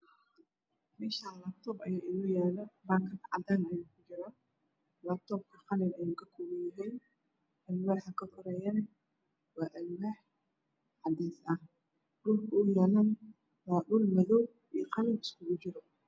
Meeshaan laabtoob ayaa inoo yaala baakad cadaan ah ayuu kujiraa laabtoobka qalin ayuu ka kooban yahay. Alwaaxa ka koreeyana waa alwaax cadeys ah, dhulka uu yaalana waa dhul madow iyo qalin iskugu jira.